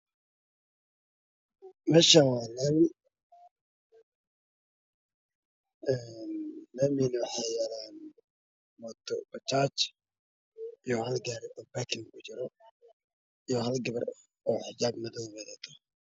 Meeshaan waa laami laamiga waxaa yaallo mooto bajaaj iyo hal gaari oo baakin ku jiro iyo hal gabar oo xijaab madow wadato